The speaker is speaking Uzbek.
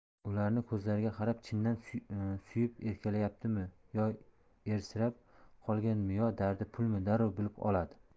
ularni ko'zlariga qarab chindan suyib erkalayaptimi yo ersirab qolganmi yo dardi pulmi darrov bilib oladi